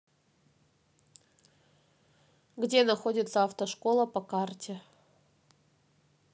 где находится автошкола по карте